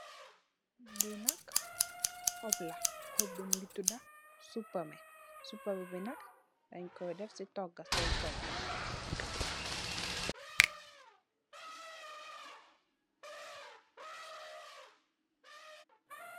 Li nak shop la, shop bi mungi tuda supameh. Supameh nak danye koi def ci togga.